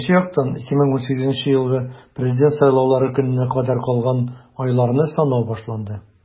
Икенче яктан - 2018 елгы Президент сайлаулары көненә кадәр калган айларны санау башланды.